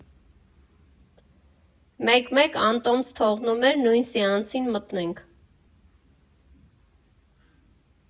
Մեկ֊մեկ անտոմս թողնում էր նույն սեանսին մտնենք։